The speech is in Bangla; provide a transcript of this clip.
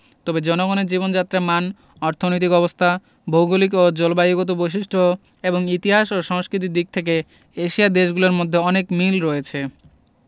তবে জনগণের জীবনযাত্রার মান অর্থনৈতিক অবস্থা ভৌগলিক ও জলবায়ুগত বৈশিষ্ট্য এবং ইতিহাস ও সংস্কৃতির দিক থেকে এশিয়ার দেশগুলোর মধ্যে অনেক মিল রয়েছে